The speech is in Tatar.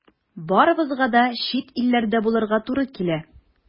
Барыбызга да чит илләрдә булырга туры килә.